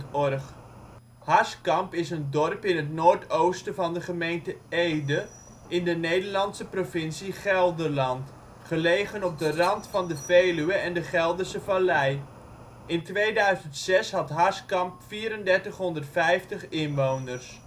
OL Harskamp Plaats in Nederland Situering Provincie Gelderland Gemeente Ede Coördinaten 52° 8′ NB, 5° 45′ OL Algemeen Inwoners (1-1-2006) 3450 Overig Postcode 6732 Netnummer 0318 Portaal Nederland Harskamp is een dorp in het noordoosten van de gemeente Ede in de Nederlandse provincie Gelderland, gelegen op de rand van de Veluwe en de Gelderse Vallei. In 2006 had Harskamp 3450 inwoners